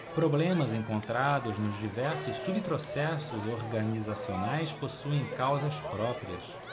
problemas encontrados nos diversos subprocessos organizacionais possuem causas próprias